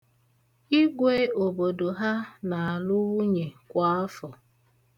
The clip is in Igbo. Igwe obodo ha na-alụ nwunye kwa afọ.